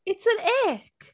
It's an ick!